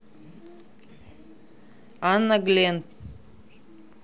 анна глент